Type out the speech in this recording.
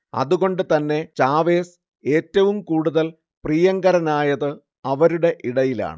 അതുകൊണ്ടുതന്നെ ചാവേസ് ഏറ്റവും കൂടുതൽ പ്രിയങ്കരനായത് അവരുടെ ഇടയിലാണ്